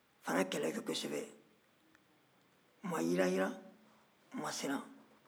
u fana ye kɛlɛ kɛ kosɛbɛ u ma yiranyiran u ma siran